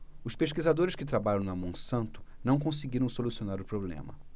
os pesquisadores que trabalham na monsanto não conseguiram solucionar o problema